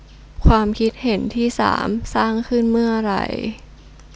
ความคิดเห็นที่สามสร้างขึ้นเมื่อไร